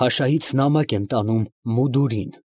Փաշայից նամակ եմ տանում Մուդուրին։